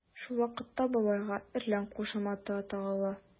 Шул вакытта бабайга “әрлән” кушаматы тагыла.